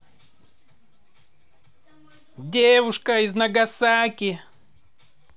девушка из нагасаки